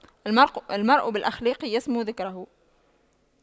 المرء بالأخلاق يسمو ذكره